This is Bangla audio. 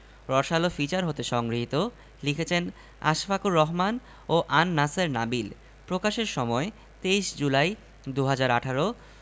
গোসল করার জন্য আর কোনো শুকনো গামছা বা তোয়ালে অবশিষ্ট নেই ৫. যখন দেখবেন দোকান থেকে আইসক্রিম কিনে বাসায় এসে জুস খেতে হচ্ছে